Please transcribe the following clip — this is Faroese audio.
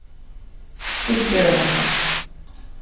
hvussu ger hon hatta